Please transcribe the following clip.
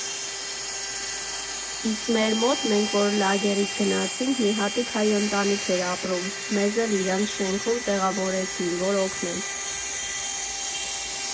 Իսկ մեր մոտ, մենք որ լագերից գնացինք, մի հատիկ հայ ընտանիք էր ապրում, մեզ էլ իրանց շենքում տեղավորեցին, որ օգնեն։